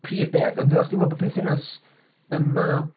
Y prif beth ond oedda chi'n gwybod y perthynas y mab...